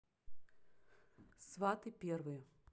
сваты первые